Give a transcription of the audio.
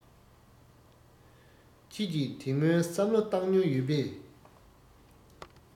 ཁྱེད ཀྱིད དེ སྔོན བསམ བློ བཏང མྱོང ཡོད པས